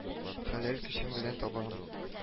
Хәләл көчем белән табам